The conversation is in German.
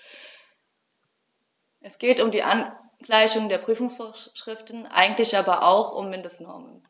Es geht um die Angleichung der Prüfungsvorschriften, eigentlich aber auch um Mindestnormen.